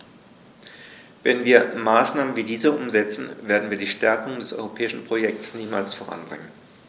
Wenn wir Maßnahmen wie diese umsetzen, werden wir die Stärkung des europäischen Projekts niemals voranbringen.